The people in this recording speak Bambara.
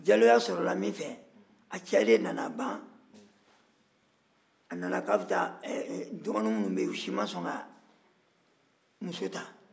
jaloya sɔrɔla min fɛ a cɛ de nana ban dɔgɔnin minnu bɛ yen u si ma sɔn k'a muso ta